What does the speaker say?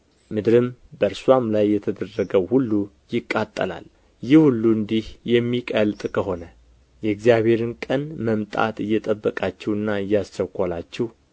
ምድርም በእርስዋም ላይ የተደረገው ሁሉ ይቃጠላል ይህ ሁሉ እንዲህ የሚቀልጥ ከሆነ የእግዚአብሔርን ቀን መምጣት እየጠበቃችሁና እያስቸኰላችሁ